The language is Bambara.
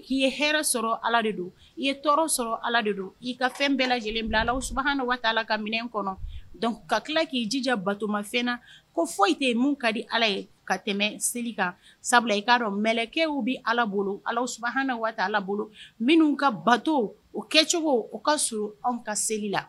I ye hɛrɛɛ sɔrɔ ala de don i ye tɔɔrɔ sɔrɔ ala de don i'i ka fɛn bɛɛ lajɛlen bila ala su waa ka minɛn kɔnɔ dɔnkuc ka tila k'i jija batomafɛnna ko foyi tɛ yen min ka di ala ye ka tɛmɛ seli kan sabula i k'a dɔn mkɛw bɛ ala bolo ala suuna waa ala bolo minnu ka bato o kɛcogo u ka so anw ka seli la